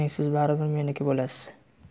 siz baribir meniki bo'lasiz